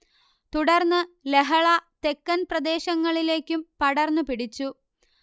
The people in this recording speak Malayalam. തുടർന്ന് ലഹള തെക്കൻ പ്രദേശങ്ങളിലേക്കും പടർന്നു പിടിച്ചു